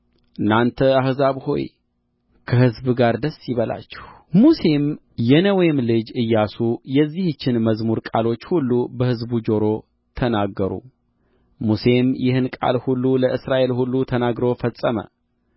እናንተ አሕዛብ ሆይ ከሕዝቡ ጋር ደስ ይበላችሁ ሙሴም የነዌም ልጅ ኢያሱ የዚህችን መዝሙር ቃሎች ሁሉ በሕዝቡ ጆሮ ተናገሩ ሙሴም ይህን ቃል ሁሉ ለእስራኤል ሁሉ ተናግሮ ፈጸመ